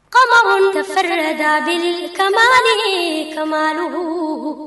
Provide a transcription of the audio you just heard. Kabafɛ da kamalenin kumalu